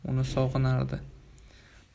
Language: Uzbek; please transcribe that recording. uni sog'inardi